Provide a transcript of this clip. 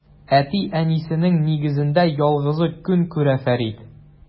Әти-әнисенең нигезендә ялгызы көн күрә Фәрид.